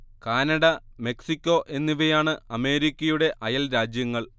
Canada Mexico എന്നിവയാണ് അമേരിക്കയുടെ അയൽ രാജ്യങ്ങൾ